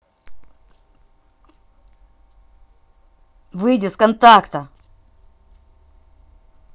выйди с контакта